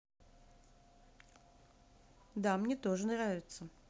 да мне тоже нравится